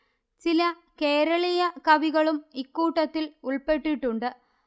ചില കേരളീയ കവികളും ഇക്കൂട്ടത്തിൽ ഉൾപ്പെട്ടിട്ടുണ്ട്